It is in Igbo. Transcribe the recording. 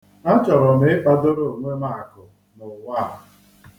Achọrọ m ịkpadoro onwe m akụ n'ụwa a.